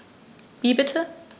Wie bitte?